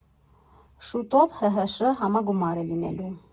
Շուտով ՀՀՇ համագումար է լինելու։